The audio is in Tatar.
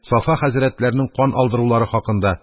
Сафа хәзрәтләрнең кан алдырулары хакында,